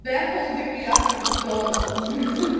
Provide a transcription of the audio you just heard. They're holding me up in McDonald's because...